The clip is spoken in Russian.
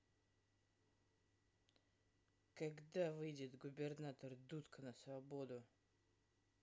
когда выйдет губернатор дудка на свободу